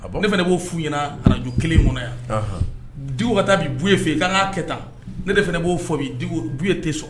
A bon Ne fana ba fu ɲɛna Radio kelen in kɔnɔ yan . Unhun . Diko ka taa bi Buye fe yen kan ka kɛ tan. Ne de fana bo fɔ bi Buye tɛ sɔn.